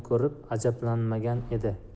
ko'rib ajablanmagan edi